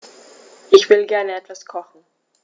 Ich will gerne etwas kochen.